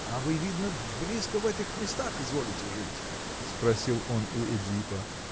А вы, видно, близко в этих местах изволите жить? – спросил он у Эдипа.